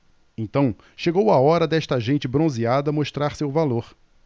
então chegou a hora desta gente bronzeada mostrar seu valor